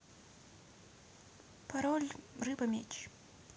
пароль рыба меч